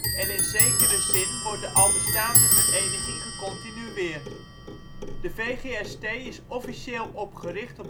en in zekere zin wordt de al bestaande vereniging gecontinueerd. De VGST is officieel opgericht